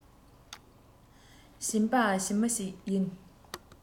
ཞེན པའི ཞི མི ཞིག ཡིན